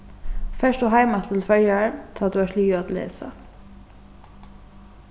fert tú heim aftur til føroyar tá tú ert liðug at lesa